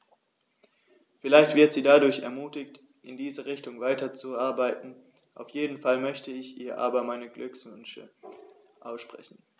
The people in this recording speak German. Vielleicht wird sie dadurch ermutigt, in diese Richtung weiterzuarbeiten, auf jeden Fall möchte ich ihr aber meine Glückwünsche aussprechen.